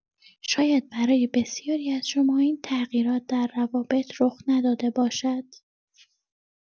شاید برای بسیاری از شما این تغییرات در روابط رخ نداده باشد.